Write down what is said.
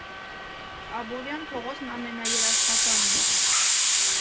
Աբովյան փողոցն ամենաերաժշտականն է։